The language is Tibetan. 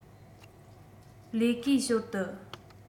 ལས ཀའི ཞོར དུ